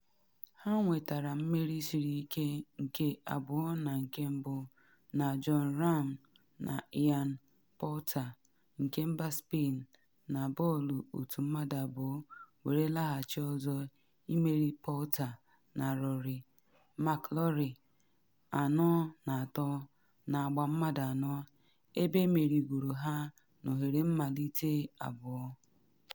Ha nwetara mmeri siri ike nke 2&1 na Jon Rahm na Ian Poulter nke mba Spain na bọọlụ otu mmadụ abụọ were laghachi ọzọ imeri Poulter na Rory Mcllroy 4&3 na agba mmadụ anọ, ebe emerigoro ha n’oghere mmalite abụọ.